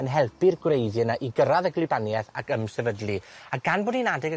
yn helpu'r gwreiddie 'na i gyrradd y gwlybanieth ac ymsefydlu, a gan bod 'i'n adeg y